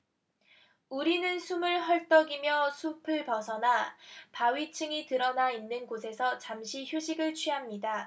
우리는 숨을 헐떡이며 숲을 벗어나 바위층이 드러나 있는 곳에서 잠시 휴식을 취합니다